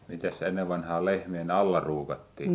mitäs ennen vanhaan lehmien alla ruukattiin